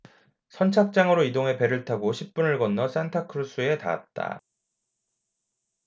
선착장으로 이동해 배를 타고 십 분을 건너 산타크루스에 닿았다